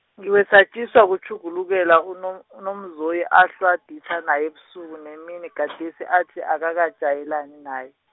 ngiwesatjiswa kutjhugulukela uNo- uNomzoyi ahlwa aditjha nawe ubusuku nemini gadesi athi akakajayelani nawe.